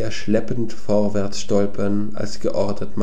schleppend vorwärtsstolpern als geordnet